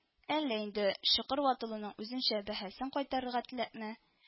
Әллә инде чокыр ватылуның үзенчә бәһасен кайтарырга теләпме